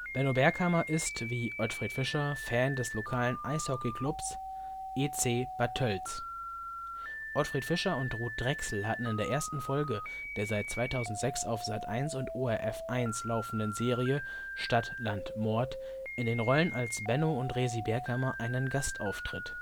Benno Berghammer ist (wie Ottfried Fischer) Fan des lokalen Eishockeyclubs EC Bad Tölz. Ottfried Fischer und Ruth Drexel hatten in der ersten Folge der seit 2006 auf Sat.1 und ORF 1 laufenden Serie Stadt, Land, Mord in den Rollen als Benno und Resi Berghammer einen Gastauftritt